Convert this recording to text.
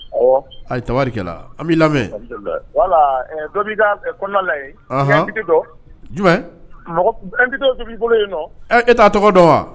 Ayi tari an' lamɛn dɔ jumɛn e t'a tɔgɔ dɔn wa